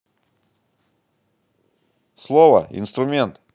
слово инструмент